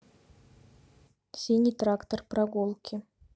синий трактор прогулки